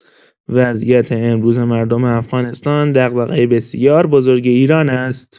وضعیت امروز مردم افغانستان دغدغه بسیار بزرگ ایران است.